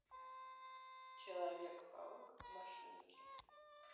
человек паук машинки